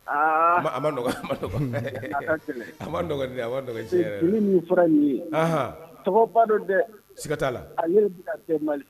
Aa a man nɔgɔn, a ka gɛlɛn, a man nɔgɔn tiɲɛ yɛrɛ la, fini min min fɔra nin ye, anhan, tɔgɔba don dɛ, siga t'a la, ale de bɛ kɛ Mali